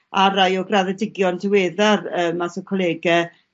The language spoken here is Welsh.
a rai o graddedigion diweddar yym mas o colege